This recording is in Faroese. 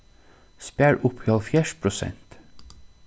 spar upp í hálvfjerðs prosent